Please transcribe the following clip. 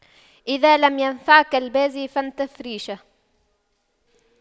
إذا لم ينفعك البازي فانتف ريشه